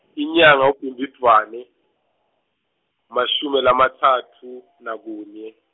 inyanga Bhimbidvwane, mashumi lamatsatfu nakunye.